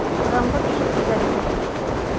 Караңгы төшеп килә, - диде.